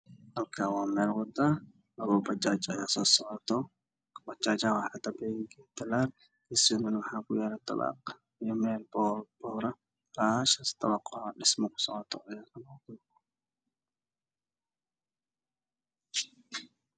Meeshaan oo millaami ah waxaa soo socota wajaajta waxaa ku qoran b wuuna gadiidkeeda waxaana ka dambeeyay boor yar